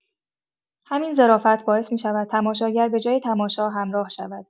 همین ظرافت باعث می‌شود تماشاگر به‌جای تماشا، همراه شود.